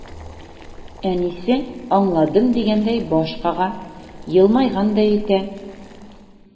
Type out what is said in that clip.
Әнисе, аңладым дигәндәй баш кага, елмайгандай итә.